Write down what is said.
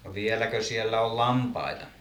no vieläkö siellä on lampaita